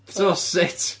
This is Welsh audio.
Be ti'n feddwl sut?!